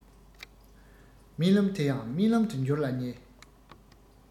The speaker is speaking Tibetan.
རྨི ལམ དེ ཡང རྨི ལམ དུ འགྱུར ལ ཉེ